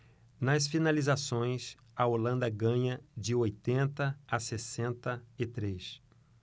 nas finalizações a holanda ganha de oitenta a sessenta e três